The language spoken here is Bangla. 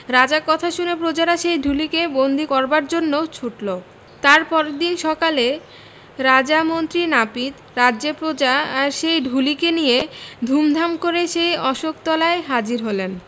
রাজার কথা শুনে প্রজারা সেই ঢুলিকে বন্দী করবার জন্যে ছুটল তার পরদিন সকালে রাজা মন্ত্রী নাপিত রাজ্যের প্রজা আর সেই চুলিকে নিয়ে ধুমধাম করে সেই অশ্বত্থতলায় হাজির হলেন